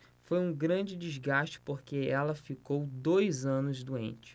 foi um grande desgaste porque ela ficou dois anos doente